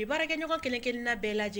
Ibarikɛɲɔgɔn kɛlɛ kelen bɛɛ lajɛ